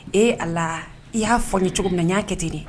Ee Ala , i ya fɔ n ye cogomin na n ya kɛ ten.